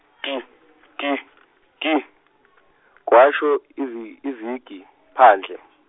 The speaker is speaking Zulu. gi, gi, gi, kwasho izi- izigi phandle.